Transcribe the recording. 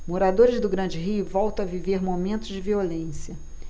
moradores do grande rio voltam a viver momentos de violência